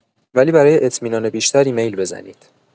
ولی برای اطمینان بیشتر ایمیل بزنید.